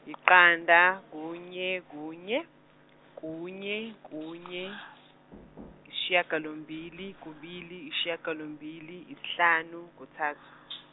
yiqanda kunye kunye kunye kunye yisishiyagalombili kubili isishiyagalombili isihlanu kuthathu.